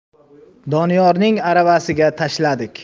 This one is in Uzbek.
doniyorning aravasiga tashladik